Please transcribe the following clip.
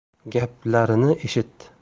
gaplarini eshit